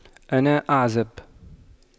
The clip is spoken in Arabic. أنا أعزب